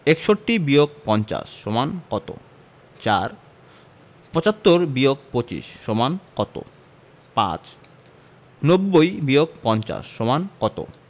৬১বিয়োগ৫০ সমান কত ৪ ৭৫বিয়োগ২৫ সমান কত ৫ ৯০বিয়োগ৫০ সমান কত